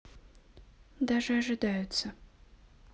даже ожидаются